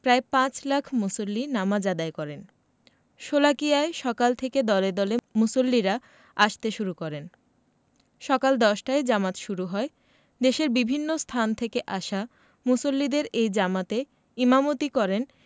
প্রায় পাঁচ লাখ মুসল্লি নামাজ আদায় করেন শোলাকিয়ায় সকাল থেকে দলে দলে মুসল্লিরা আসতে শুরু করেন সকাল ১০টায় জামাত শুরু হয় দেশের বিভিন্ন স্থান থেকে আসা মুসল্লিদের এই জামাতে ইমামতি করেন